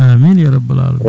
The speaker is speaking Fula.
amine ya rabbal alamina